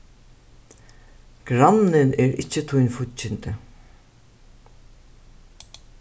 grannin er ikki tín fíggindi